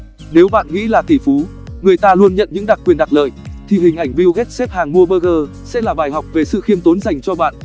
nếu bạn nghĩ là tỷ phú người ta luôn nhận những đặc quyền đặc lợi thì hình ảnh bill gates xếp hàng mua burger sẽ là bài học về sự khiêm tốn dành cho bạn